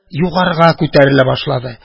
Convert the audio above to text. Югарыга күтәрелә башлады